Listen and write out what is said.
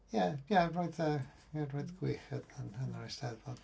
Ie, ie, roedd y... roedd gwych yn yn yr Eisteddfod.